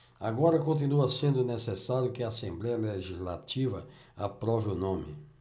agora continua sendo necessário que a assembléia legislativa aprove o nome